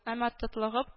Әмма тотлыгып